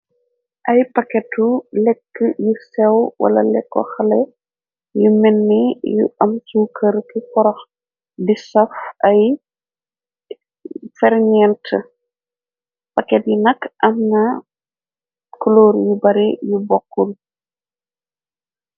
ay paketu lekk yir sew wala lekko xale yu menne yu am cu kër ci porox di saf ay fernent paket yi nak anna kloor yu bare yu bokkul